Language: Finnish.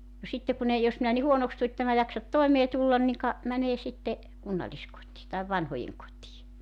no sitten kun ei jos minä niin huonoksi tulen että en minä jaksa toimeen tulla niin ka menee sitten kunnalliskotiin tai vanhojen kotiin